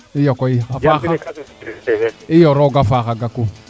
iyo koy a faaxa iyo rpoga faaxa Gakou